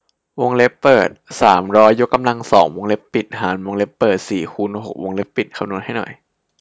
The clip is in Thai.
วงเล็บเปิดสามร้อยยกกำลังสองวงเล็บปิดหารวงเล็บเปิดสี่คูณหกวงเล็บปิดคำนวณให้หน่อย